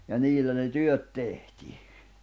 ja niillä ne työt tehtiin